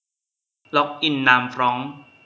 ล็อกอินนามฟร้องซ์